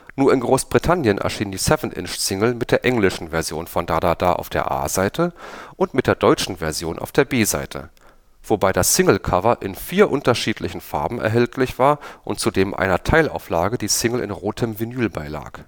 Nur in Großbritannien erschien die 7 "- Single mit der englischen Version von „ Da da da “auf der A-Seite und mit der deutschen Version auf der B-Seite – wobei das Single-Cover in vier unterschiedlichen Farben erhältlich war und zudem einer Teilauflage die Single in rotem Vinyl beilag